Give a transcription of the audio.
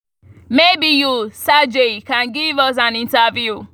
Maybe you, Sergey, can give us an interview?